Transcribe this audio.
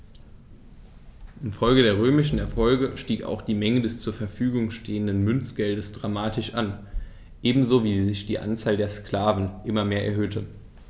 Infolge der römischen Erfolge stieg auch die Menge des zur Verfügung stehenden Münzgeldes dramatisch an, ebenso wie sich die Anzahl der Sklaven immer mehr erhöhte.